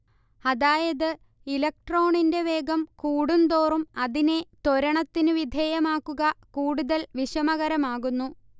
അതായത് ഇലക്ട്രോണിന്റെ വേഗം കൂടുതോറും അതിനെ ത്വരണത്തിന് വിധേയമാക്കുക കൂടുതൽ വിഷമകരമാകുന്നു